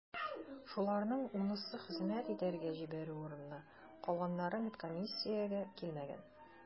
Шуларның унысы хезмәт итәргә җибәрү урынына, калганнары медкомиссиягә килмәгән.